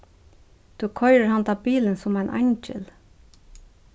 tú koyrir handa bilin sum ein eingil